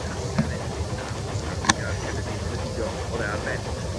tasa fe 'di mynd am y dosgarthiad cyffredinol ne' bido, o'dd e ar ben.